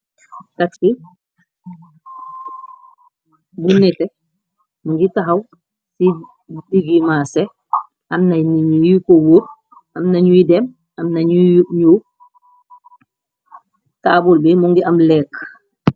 Taxsi bu nite mu ngi taxaw ci digi maasé am nay niñ yu ko wuur am nañuy dem am nañu ñu taabul bi mu ngi am lekk.